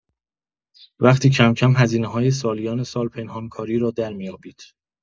وقتی کم‌کم هزینه‌های سالیان سال پنهان‌کاری را درمی‌یابید.